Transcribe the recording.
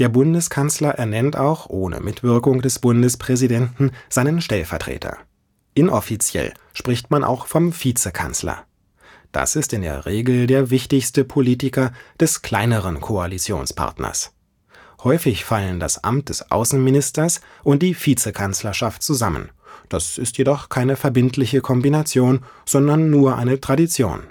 Bundeskanzler ernennt auch – ohne Mitwirkung des Bundespräsidenten – seinen Stellvertreter. Inoffiziell spricht man auch vom „ Vizekanzler “. Das ist in der Regel der wichtigste Politiker des kleineren Koalitionspartners. Häufig fallen das Amt des Außenministers und die „ Vizekanzlerschaft “zusammen; das ist jedoch keine verbindliche Kombination, sondern nur eine Tradition